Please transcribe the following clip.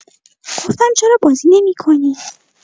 گفتم چرا بازی نمی‌کنی.